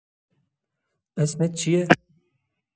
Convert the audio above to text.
اسمت چیه؟